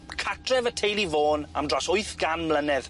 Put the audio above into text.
Catref y teulu Vaughan am dros wyth gan mlynedd.